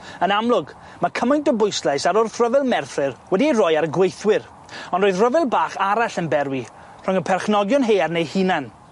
Yn amlwg, ma' cymaint o bwyslais ar wrthryfel Merthyr wedi'i roi ar y gweithwyr ond roedd ryfel bach arall yn berwi rhwng y perchnogion haearn eu hunan.